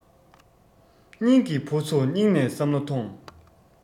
སྙིང གི བུ ཚོ སྙིང ནས བསམ བློ མཐོང